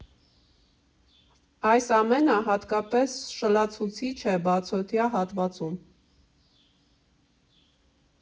Այս ամենը հակտապես շլացուցիչ է բացօթյա հատվածում։